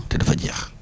te dafa jeex